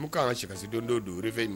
U' kan sikasi don don duuru fɛ in ma